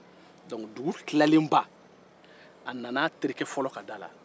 dɔnku dugu tilalenba a nana a terike fɔlɔ ka da la